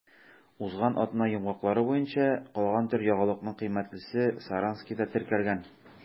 Узган атна йомгаклары буенча калган төр ягулыкның кыйммәтлесе Саранскида теркәлгән.